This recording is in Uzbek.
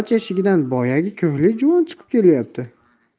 eshigidan boyagi ko'hlik juvon chiqib kelyapti